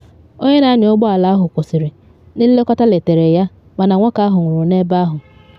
Onye na anya ụgbọ ala ahụ kwụsịrị, ndị nlekọta letere ya, mana nwoke ahụ nwụrụ n’ebe ahụ.